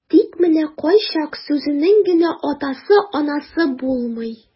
Тик менә кайчак сүзенең генә атасы-анасы булмый.